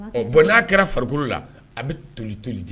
Ɔ bɔn n'a kɛra farikolo la a bɛ toli toli di